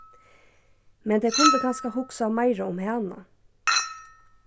men tey kundu kanska hugsað meira um hana